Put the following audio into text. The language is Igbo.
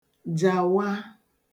jàwa